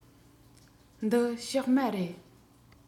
འདི ཕྱགས མ རེད